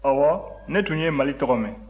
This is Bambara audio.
ɔwɔ ne tun ye mali tɔgɔ mɛn